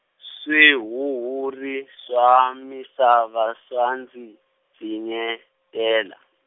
swihuhuri swa misava swa ndzi, pfinyetela.